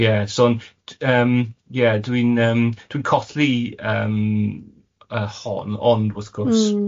Ie so ond yym ie dwi'n yym dwi'n colli yym y hon ond wrth gwrs... Mm.